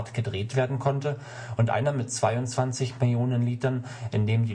gedreht werden konnte, und einer mit 22 Millionen Litern, in dem